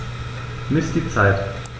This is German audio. Miss die Zeit.